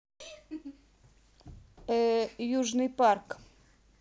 э южный парк